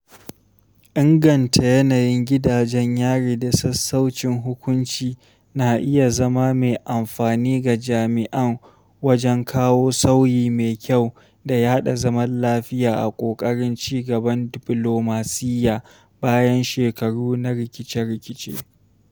Inganta yanayin gidajen yari da sassaucin hukunci na iya zama mai amfani ga jami'an wajen kawo sauyi mai kyau da yaɗa zaman lafiya a ƙoƙarin cigaban diflomasiyya, bayan shekaru na rikice-rikice.